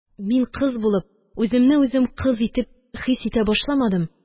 Мин кыз булып, үземне үзем кыз итеп хис итә башламадым,